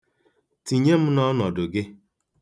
Tinye m n'ọnọdụ gị.